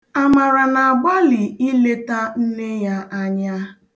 Amara na-agbalị ileta nne ya anya.